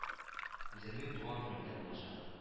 Үземнең туган көнемдә булачак